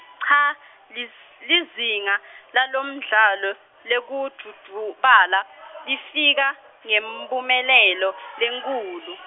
cha, lis- lizinga , lalomdlalo, lekudvundvubala, lefika, ngemphumelelo, lenkhulu.